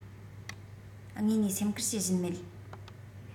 དངོས ནས སེམས ཁུར བྱེད བཞིན མེད